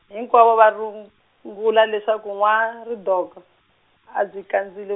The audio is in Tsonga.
hinkwavo va rung- -ngula leswaku N'wa-Ridonga, u byi kandzile m-.